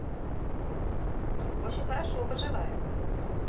очень хорошо поживаю